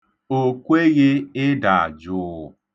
Ọ kweghị ịda jụụ.